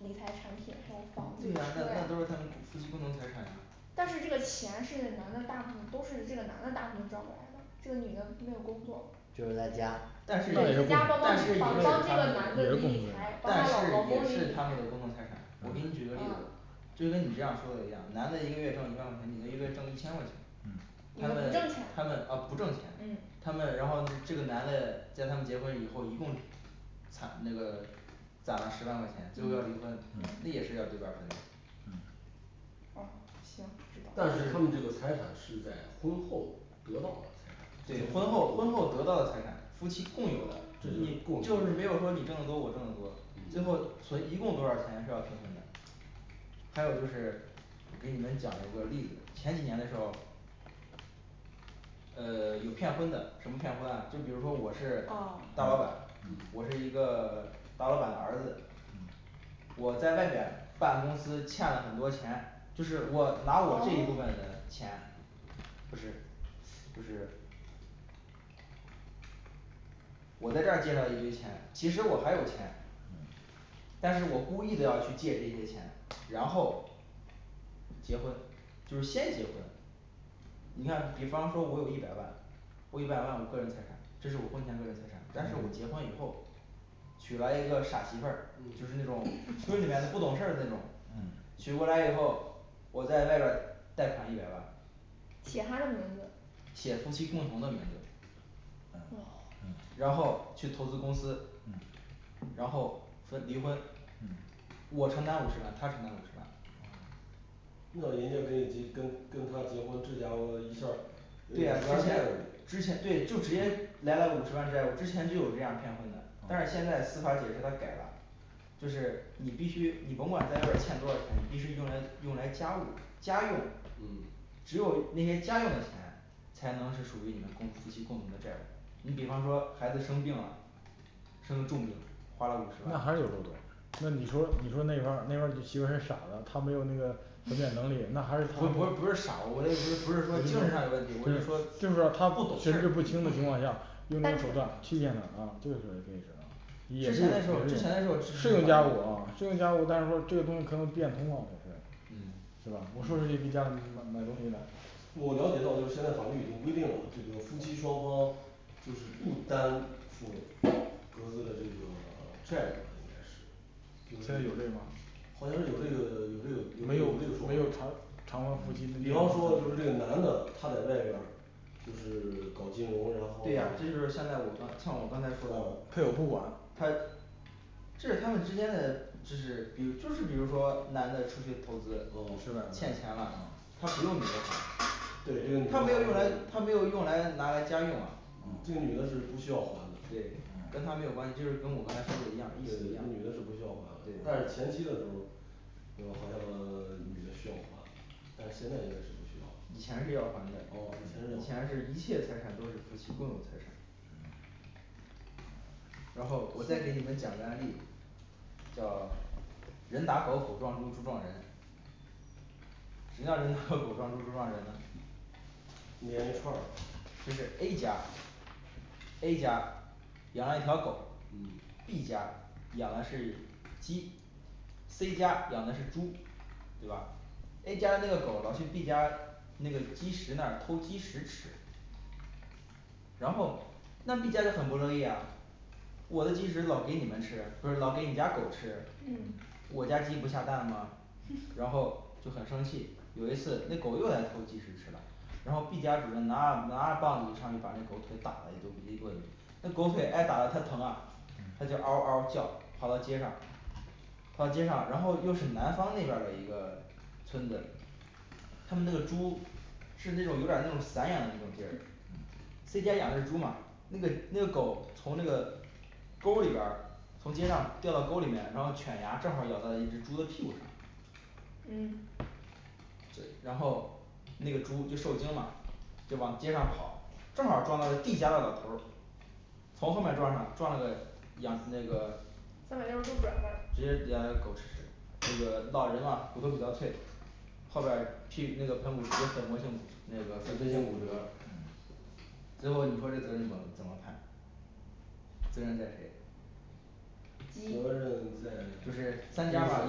理财产品，双方对呀那那都是他们夫妻共同财产呀但是这个钱是男的，大部分都是这个男的，大部分赚过来的，这个女的没有工作，就对是在在家家，帮但是也是共帮帮但是也是，但是也帮这个男的理理财，帮他老公理是理财他们的共同财产我给你举个例啊子就跟你这样说的一样，男的一个月挣一万块钱，女的一个月挣一千块钱，女他的们他们啊不不挣挣钱钱，嗯，他们然后这这个男的在他们结婚以后一共惨那个攒了十万块钱，最后要离嗯婚，也是要对半儿分的嗯行但是他们这个财产是在婚后得到了财产。这就对，是共婚后婚后得到的财产有夫妻共有的，你就是没有说你挣得多我挣得多，最后存一共多少钱是要平分的还有就是我给你们讲一个例子，前几年嘞时候儿呃 有骗婚的什么骗婚啊，就比如说我是啊大老板，我是一个 大老板的儿子我在外面办公司欠了很多钱，就是我拿我这一部分的钱不是不是我在这儿借了一堆钱，其实我还有钱，但是我故意的要去借这些钱，然后结婚就是先结婚你看比方说我有一百万，我一百万我个人财产，这是我婚前个人财产，但是我结婚以后娶了一个傻媳妇儿，就是那种村里面的不懂事儿的那种，娶嗯过来以后，我在外边儿贷款一百万写他的名字写夫妻共同的名字哦，然后去投资公司，然后分离婚，我承担五十万，她承担五十万那人家跟你离跟跟他结婚这家伙一下儿，对呀之前之前对就直接来了五十万债务之前就有这样儿骗婚的。但是现在司法解释他改了就是你必须你甭管在外边儿欠多少钱，你必须用来用来家务家用嗯，只有那些家用的钱，才能是属于你们共夫妻共同的债务你比方说孩子生病了，生个重病花了五十那万，还有那你说你说那边儿那边儿媳妇儿是傻的，她没有那个分辨能力那还是，不是就是不是说不她是傻，我也是不是说精神上有问题，我就说不懂事神儿，志不之清前的的时情候儿况下之用前那但个是手段欺骗了她的时，是用家务活儿候儿是用家务但是说这个东西可能变通了是吧？我说是一个家里买买东西嘞。我了解到就是现在法律已经规定了，这个夫妻双方就是不担负各自嘞这个债务应该是。现在有这种好像有这个有这个有，这个没有有这个说没有查法查到夫妻，比方说就是这个男的他在外边儿就是搞金融，然后对配偶呀这是现在我刚像我刚才说的不管他这是他们之间的，就是比如就是说男的出去投资欠钱了，他不用你来对还，这他没个有用女来的他没有用来拿来家用啊嗯这个女的是不需要还的，啊，对对。这跟个他女的是不没有关系，就是跟我刚才说的一样儿意思一样儿，需要还对，但是前期的时候儿好像 女的需要还但现在应该是不需要啊对以以前前是是要要还还的，以前是一切财产都是夫妻共有财产然后我再给你们讲个案例，叫人打狗狗撞猪猪撞人，谁知道 人打狗狗撞猪猪撞人呢连一串儿就是A家儿A家儿。养了一条狗，B家儿养的是鸡，c家儿养的是猪，对吧 A家儿的那个狗老去B家儿，那个鸡食那儿偷鸡食吃，然后那B家儿就很不乐意呀我的鸡食老给你们吃，不是老给你家狗吃，我家鸡不下蛋吗？然后就很生气，有一次那狗又来偷鸡食吃了然后B家主人拿拿着棒子就上去把那狗腿打了一顿一棍子，那狗腿挨打了它疼啊，它就嗷儿嗷儿叫跑到街上到街上，然后又是南方那边儿的一个村子。他们那个猪是那种有点儿那种散养的那种劲儿 C家养的是猪嘛，那个那个狗从那个沟儿里边儿从街上掉到沟里面，然后犬牙正好儿咬到一只猪的屁股上嗯对，然后那个猪就受惊嘛，就往街上跑，正好儿撞到了D家的老头儿从后面儿撞上撞了个仰，那个三百六十度转弯儿直接仰个狗吃屎，这个老人嘛骨头比较脆，后边儿屁那个盆骨直接粉末性，那个粉碎性骨折嗯最后你说这责任怎么怎么判责任在谁主要鸡是在就都市是养三鸡家的儿吧和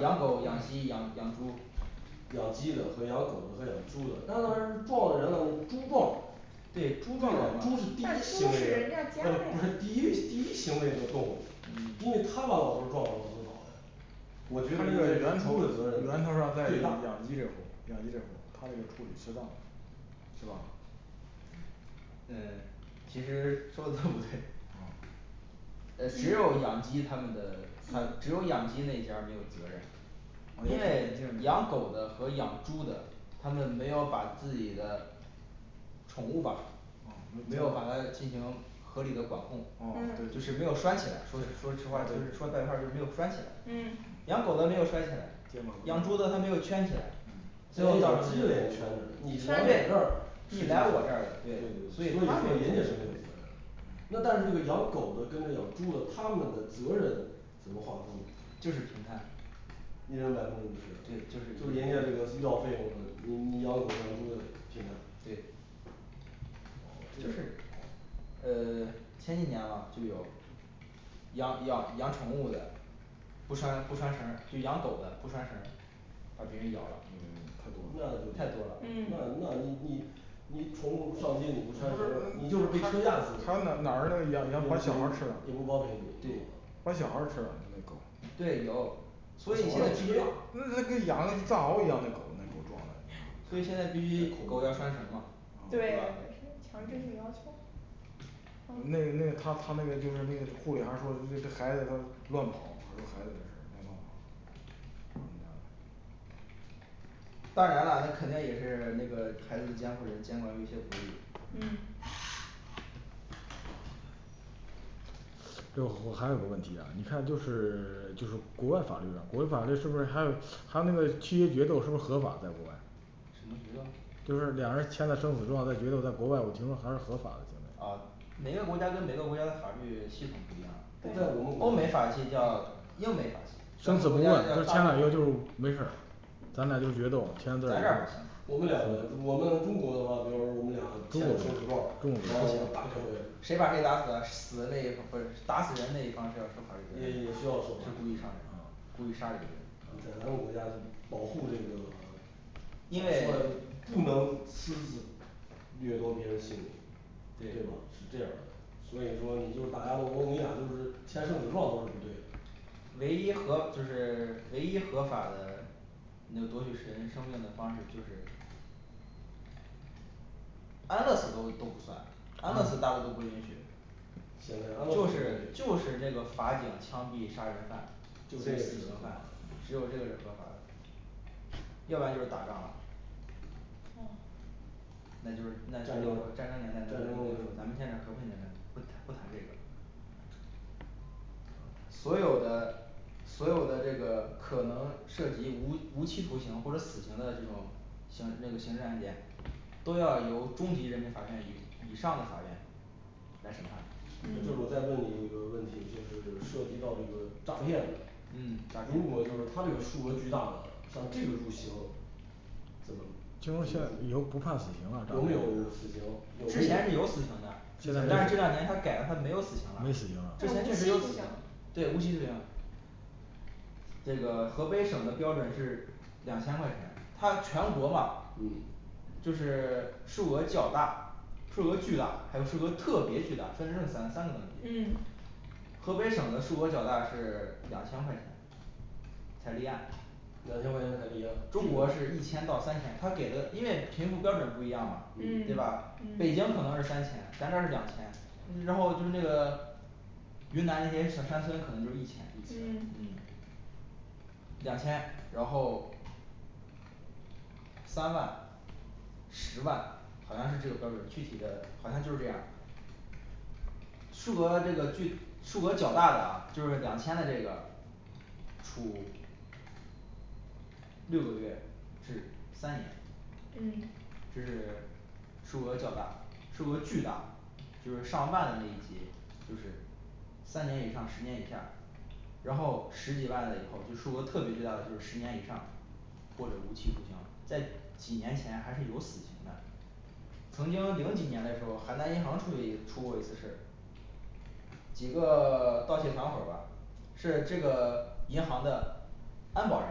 养养狗狗的养鸡养养猪和养猪的，那当然是撞人了那猪撞嘞对猪撞的人猪是第一嘛但猪行为，是人人家哎家的不是呀第一第一行为的动物，因为它把老头儿撞了老头儿倒嘞它我这觉得应该个源是头猪儿的责任最源头儿上在养鸡这户儿大养鸡这户儿他这个处理适当的是吧诶其实说的都不对 呃只有养鸡他们的他只有养鸡那家儿没有责任，因为养狗的和养猪的，他们没有把自己的宠物吧没有把它进行合理的管控嗯，就是没有拴起来说说实话就是说白话儿就是没有拴起来嗯，养狗的没有栓起来，养猪的他没有圈起来最后造圈着的成这个，你你来来我我这这儿儿的，对对所以人他家是没没有有责责任任，那但是这个养狗的跟这养猪的，他们的责任怎么划分？就是平摊一人百分之五十就人对家这个医药费就用，你你养是狗的养猪的，平摊对就是呃 前几年吧就有养养养宠物的，不栓不栓绳儿就养狗的不栓绳儿把别人咬了，太多那就太多了了那那你，你你宠物儿上街你不栓绳儿你就是被车轧死，也还有哪儿哪儿一样，把不小孩儿吃了行也不包赔对。对把小孩儿吃了有对所以现在必须所以那那跟养藏獒一样那种的，嗯现在必须狗要栓绳儿嘛对对吧，强制性要求那那个他他那个就是那个护理还说这这孩子他乱跑，说孩子的事儿没办法当然了那肯定也是那个孩子的监护人监管有一些不力嗯就我还有个问题啊，你看就是 就是国外法律国外法律是不是还有他那个契约决斗是不是合法在国外什么决斗就是两人签了生死状，再决斗在国外我听说还是合法的，，啊每个国家跟每个国家的法律系统不一诶在我们样。欧国美法系叫家英美法系咱们国家的叫大，咱这儿不行没事儿，咱俩就决斗，签字儿我们两个我们中国的话，比方说我们俩签了生死状了，然后打死谁，谁把谁打死了，死的那不是打死人那一方是要受法律责也任的，也需要受是故意杀人故意杀人罪在咱们国家保护这，个因为，不能私自掠夺别人性命，对吧？对是这样的所以说你就是打架斗殴你俩就是签生死状都是不对的，唯一合就是唯一合法的，你的夺取使人生命的方式就是安乐死都都不算，安乐死大陆都不允许。就是就是那个法警枪毙杀人犯，就是死刑犯只有这个是合法的，要不然就是打仗啦嗯那就是那就是战争说战战争年代那个时候，争咱们现在和平年代不谈不谈这个所有的所有的这个可能涉及无无期徒刑或者死刑的这种刑那个刑事案件，都要由中级人民法院以以上的法院来审判那就嗯是我再问你一个问题，就是涉及到这个诈骗嗯诈的，骗如果就是他这个数额巨大的像这个入刑怎么有听没有死说以后就不刑判死有刑了，没有，之之前前，没是有死死刑刑了的，但是这两年他改了他没有死刑了，之无前确期实徒有刑对无期徒刑这个河北省的标准是两千块钱，他要全国嘛嗯就是 数额较大，数额巨大，还有数额特别巨大，分成这种三三个等级嗯河北省的数额较大是两千块钱才立案两千块钱才立案这个中国是一千到三千他给的，因为贫富标准不一样嘛对嗯吧，？北京可嗯能是三千，咱这儿是两千，然后就是那个云南那些小山村可能就是一一千千嗯两千然后三万十万好像是这个标准具体的好像就是这样儿数额这个巨数额较大的就是两千的这个。处六个月至三年嗯这是数额较大，数额巨大，就是上万的那一级就是三年以上十年以下然后十几万了以后就数额特别巨大的就是十年以上或者无期徒刑，在几年前还是有死刑的曾经零几年嘞时候邯郸银行出去出过一次事几个 盗窃团伙儿吧是这个银行的安保人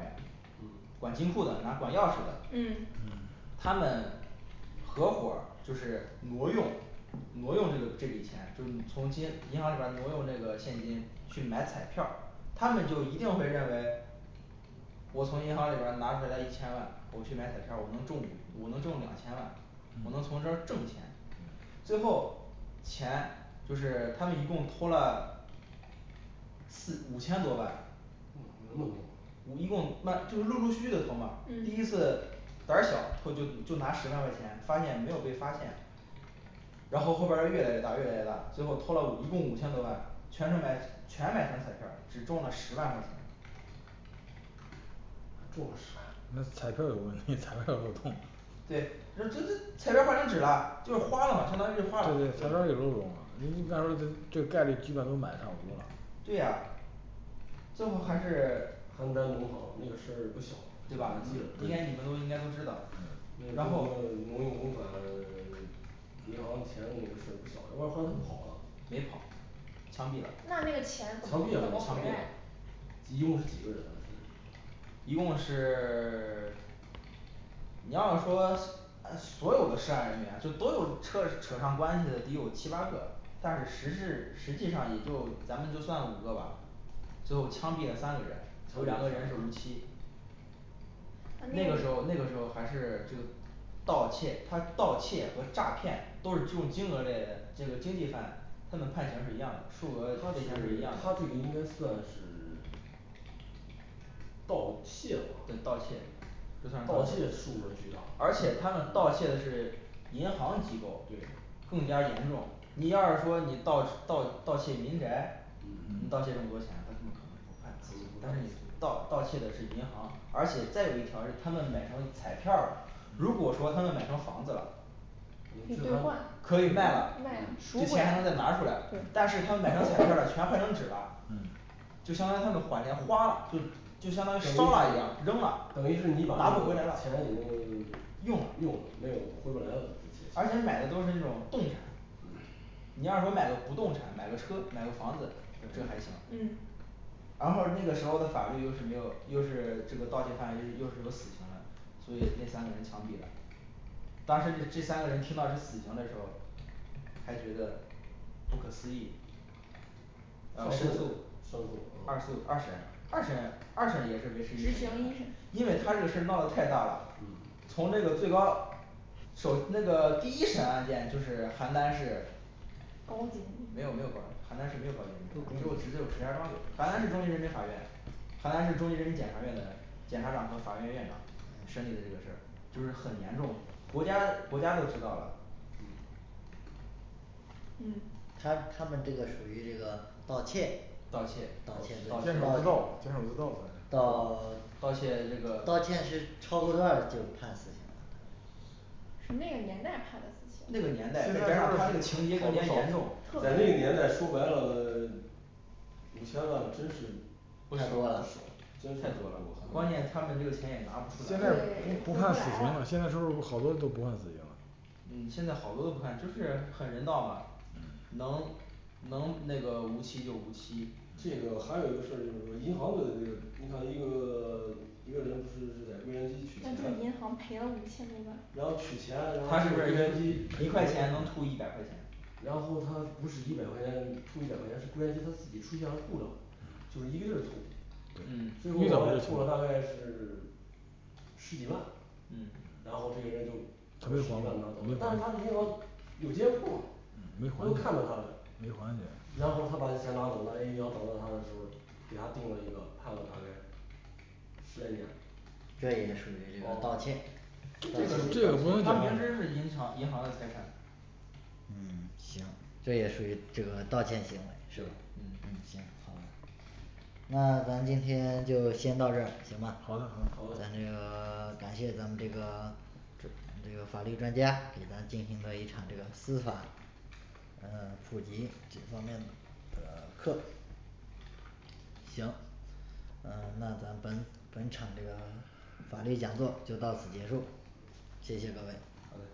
员嗯，管金库的拿管钥匙的嗯，他们合伙儿就是挪用挪用这个这笔钱就是从金银行里边儿挪用这个现金去买彩票儿，他们就一定会认为我从银行里边儿拿回来一千万，我去买彩票儿我能中我能中两千万，我能从这儿挣钱，最后钱就是他们一共偷了四五千多万有，那么多五一共慢就是陆陆续续的偷嘛第一嗯次胆儿小，都就就拿十万块钱发现没有被发现然后后边儿越来越大越来越大，最后偷了五一共五千多万，全成买全买成彩票儿只中了十万块钱中了十万那彩票儿有问题， 对彩票儿有那么多吗，嗯对这这这彩票儿换成纸啦就花了嘛相当于是花了按说这概率基本上都买上对了呀最后还是邯郸农行那个事儿不小对挪吧？应该你们应该都知道然后用公款， 银行钱那个事儿不小，然后后来他们跑了，没跑枪毙了，那枪那个钱怎么枪毙回毙了了他们来，，一一共是几个人啊是共是 你要是说呃所有的涉案人员就都能车扯上关系的得有七八个，但是实事实际上也就咱们就算五个吧最后枪毙了三个人有两个人是无期那个时候那个时候还是这个盗窃他盗窃和诈骗都是这种金额类嘞，这个经济犯他们判刑是一样的，数额他是这边儿是一样的他这个应该算是 对盗盗窃吧，盗窃窃数额巨大，而且他们盗窃的是银行机构对更加严重，你要是说你盗盗盗窃民宅，嗯你盗窃这么多钱，他可能不判死刑但是你盗盗窃的是银行，而且再有一条儿是他们买成彩票儿了，如果说他们买成房子了可以就兑是说换可以卖卖了了，赎这回钱还来能对再拿出来，但是他们买成彩票儿了全换成纸啦嗯就相当于他们把钱花了，就相当于烧了一样扔了等于是你把拿那不回来个了钱已经用用了了没有回不来了这，而且钱买的都是那种，动产嗯你要说买个不动产买个车买个房子这还行嗯然后那个时候的法律又是没有，又是这个盗窃犯呃又是有死刑的，所以那三个人枪毙了，当时这这三个人听到是死刑的时候，还觉得不可思议申诉申诉二诉嗯嗯二审二审二审也是执维持一行审的一审，因为他这个事儿闹得太大了，从那个最高首那个第一审案件就是邯郸市高级，没有没有高级邯郸市没有高级人民法院，只有只有石家庄有邯郸市中级人民法院，邯郸市中级人民检察院的检察长和法院院长审理的这个事儿就是很严重，国家国家都知道了嗯嗯他他们这个属于这个盗窃，盗盗窃，盗窃监守自盗盗监守自盗窃这盗窃是个超过多少就判死刑是那个年代判的死刑，那个年代再加上他那个情节更加严重，在那个年代说白了 五千万真是，真是不少太多了真是太多了关键他们这个钱也拿不出现来了，在对回不不来判死刑了了现在都是好多都不判死刑嗯现在好多不判就是很人道了能能那个无期就无期，他这是个还有一个不事是儿就是说银行的你看一个 一个人不是是在柜员机取那钱就是银行赔了五千多万，然后取钱然后柜员机一块钱，能吐一百块钱然后他不是一百块钱，吐一百块钱是柜员机它自己出现了故障，就是一个劲儿吐嗯，最后往外吐了大概是十几万嗯然后这个人就把这十几万拿走了，但是他银行有监控啊你回头看到他了也有安检然后他把这钱拿走了，人家银行找到他的时候儿，给他定了一个判了大概十来年这也属于这个盗窃，盗窃的他盗窃明知是银行银行的财产嗯行。这也属于这个盗窃行为是吧对，嗯行好的那咱今天就先到这儿，行吧好的好的好，咱的这个呃 感谢咱们这个 这个法律专家给咱进行了一场这个司法呃普及这方面的一个课行。嗯那咱本本场这个法律讲座就到此结束，谢谢各位好嘞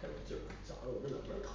太紧了夹得我这两边儿疼